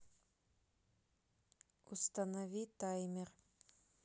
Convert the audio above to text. установи таймер